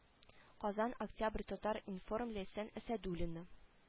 -- казан октябрь татар-информ ләйсән әсәдуллина